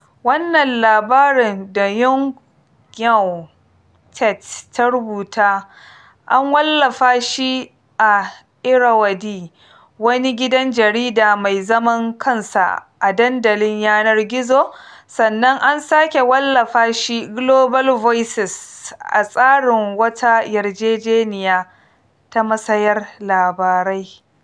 Wannan labarin da Aung Kyaw Htet ta rubuta an wallafa shi a Irrawaddy, wani gidan jarida mai zaman kansa a dandalin yanar gizo, sannan an sake wallafa shi Global Voices a tsarin wata yarjejeniya ta musayar labarai.